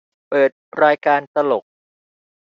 เปิดรายการตลก